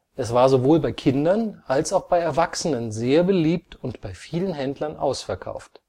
Es war sowohl bei Kindern als auch bei Erwachsenen sehr beliebt und bei vielen Händlern ausverkauft